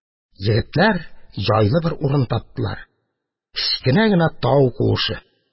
Егетләр җайлы бер урын таптылар: кечкенә генә тау куышы.